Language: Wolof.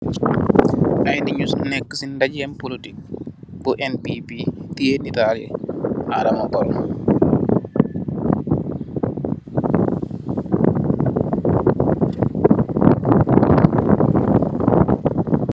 Aye ninyu nek si ndageem polotic, bu NPP, tiyaih nitaalu Adama Barrow.